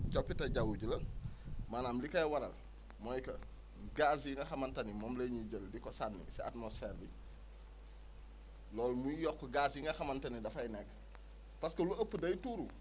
coppite jaww ji la maanaam li koy waral mooy que gaz yi nga xamante ni moom la ñu jël di ko sànni si atmosphère bi loolu muy yokk gaz yi nga xamante ni dafay nekk parce que lu ëpp day tuuru